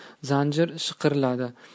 zanjir shiqirladi